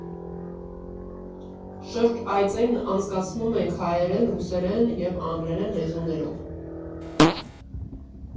Շրջայցներն անցկացնում ենք հայերեն, ռուսերեն և անգլերեն լեզուներով։